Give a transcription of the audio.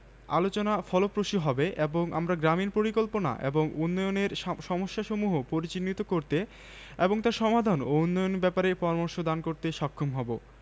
ও চট্টগ্রামের বিভিন্ন বানিজ্য প্রতিষ্ঠান ও ব্যাংকসমূহ যারা আমাদের এ ব্যাপারে আর্থিক এবং অন্যান্যভাবে সহযোগিতা করেছেন তাঁদের কাছে আমি কৃতজ্ঞ ভদ্রমহিলা ও মহোদয়গণ আমি আপনাদের সাদর স্বাগত জানাই